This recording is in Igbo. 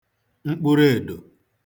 mkpụrụèdò